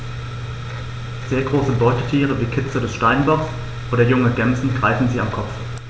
Sehr große Beutetiere wie Kitze des Steinbocks oder junge Gämsen greifen sie am Kopf.